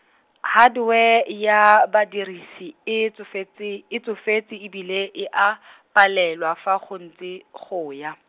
Hardware ya badirisi e tsofetse e tsofetse e bile e a , palelwa fa go ntse go ya.